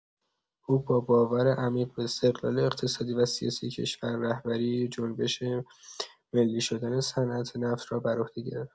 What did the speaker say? او با باور عمیق به استقلال اقتصادی و سیاسی کشور، رهبری جنبش ملی شدن صنعت‌نفت را برعهده گرفت؛